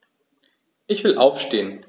Ich will aufstehen.